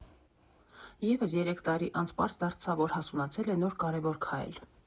Եվս երեք տարի անց պարզ դարձավ, որ հասունացել է նոր կարևոր քայլ։